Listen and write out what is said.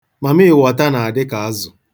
Mamịịwọta na-adịka azụ.